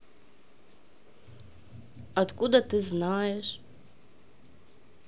откуда ты знаешь